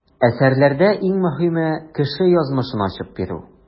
Әсәрләрдә иң мөһиме - кеше язмышын ачып бирү.